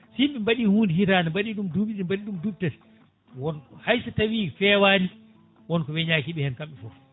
si yimɓe mbaɗi hunde hitande mbaɗi ɗum duuɓi ɗiɗi mbaɗi ɗum duuɓi tati wonko hay so tawi fewani wonko ko weñakiɓe hen kamɓe foof